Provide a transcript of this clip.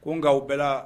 Ko nka u bɛɛ la